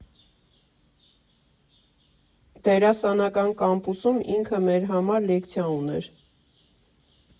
Դերասանական կամպուսում ինքը մեր համար լեկցիա ուներ։